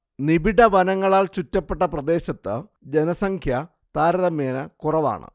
നിബിഢ വനങ്ങളാൽ ചുറ്റപ്പെട്ട പ്രദേശത്ത് ജനസംഖ്യ താരതമ്യേന കുറവാണ്